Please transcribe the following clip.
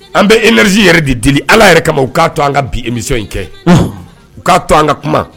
An bɛ energie yɛrɛ de deli Allah yɛrɛ kama u k'a to an ka bi emision in kɛ u k'a to an ka kuma